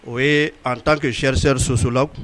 O yee en tant que chercheur sociologue